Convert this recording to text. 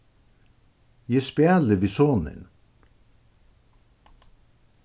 eg spæli við sonin